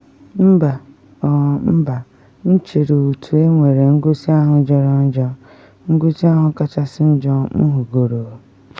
Mba, uh mba, m chere otu - enwere ngosi ahụ jọrọ njọ - ngosi ahụ kachasị njọ m hụgoro.”